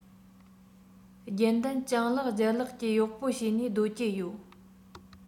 རྒྱུན ལྡན སྤྱང ལགས ལྗད ལགས ཀྱི གཡོག པོ བྱས ནས སྡོད ཀྱི ཡོད